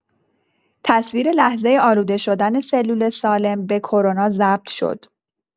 تصویر لحظه آلوده شدن سلول سالم به کرونا ضبط شد.